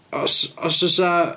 Os, os fysa...